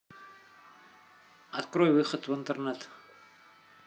открой выход в интернет